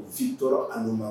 Ji tɔɔrɔ an ma